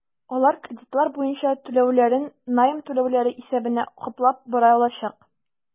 Алар кредитлар буенча түләүләрен найм түләүләре исәбенә каплап бара алачак.